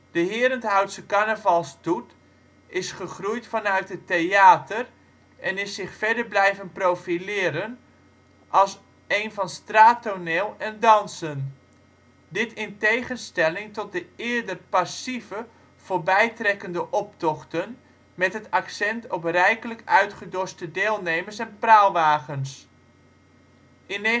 De Herenthoutse carnavalsstoet is gegroeid vanuit het theater en is zich verder blijven profileren als een van straattoneel en dansen. Dit in tegenstelling tot de eerder passieve voorbijtrekkende optochten met het accent op rijkelijk uitgedoste deelnemers en praalwagens. In 1978